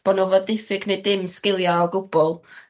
bo' n'w 'fo diffyg ne' dim sgilia o gwbl